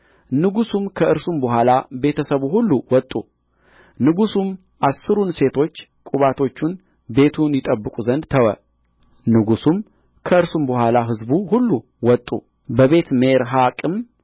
ንጉሡም ከእርሱም በኋላ ቤተ ሰቡ ሁሉ ወጡ ንጉሡም አሥሩን ሴቶች ቁባቶቹን ቤቱን ይጠብቁ ዘንድ ተወ ንጉሡም ከእርሱም በኋላ ሕዝቡ ሁሉ ወጡ በቤትሜርሐቅም